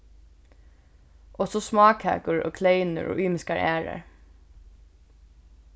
og so smákakur og kleynur og ymiskar aðrar